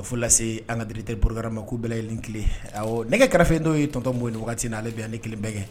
Ka folasee an ŋa directeur programme ma k'u bɛɛ layɛlen ni kilen awɔɔ nɛgɛ karafe n'o ye tonton Mo ye nin wagati in na ale be yan ne 1 bɛŋɛ